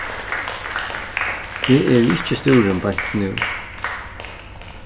eg eri ikki stúrin beint nú